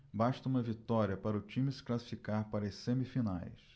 basta uma vitória para o time se classificar para as semifinais